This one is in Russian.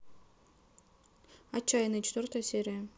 отчаянные четвертая серия